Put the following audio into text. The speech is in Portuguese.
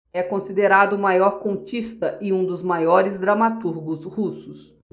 é considerado o maior contista e um dos maiores dramaturgos russos